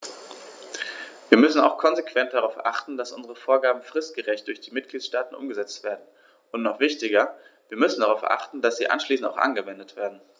Wir müssen auch konsequent darauf achten, dass unsere Vorgaben fristgerecht durch die Mitgliedstaaten umgesetzt werden, und noch wichtiger, wir müssen darauf achten, dass sie anschließend auch angewendet werden.